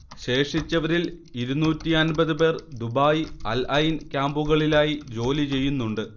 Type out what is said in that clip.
ശേഷിച്ചവരിൽ ഇരുനൂറ്റി അൻപത് പേർ ദുബായ്, അൽഐൻ ക്യാംപുകളിലായി ജോലി ചെയ്യുന്നുണ്ട്